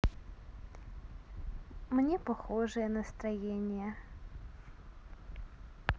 мне похожее настроение